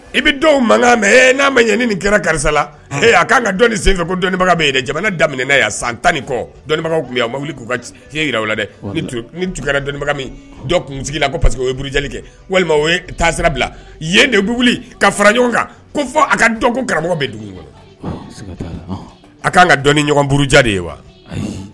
I bɛ mankan mɛ n'a ma ɲɛani ni kɛra karisa la a k'an ka dɔnni sen fɛ ko dɔnnibaga jamana damin san tan ni kɔ dɔnnibaga ma k' ka tiɲɛ jira la dɛ dɔnnibaga la parce que o yeuruli kɛ walima taa sira bila yen de bɛ wuli ka fara ɲɔgɔn kan ko fɔ a ka dɔnko karamɔgɔ bɛ dugu kɔnɔ a k'an ka dɔni ɲɔgɔnuruja de ye wa